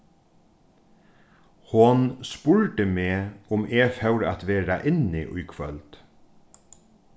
hon spurdi meg um eg fór at vera inni í kvøld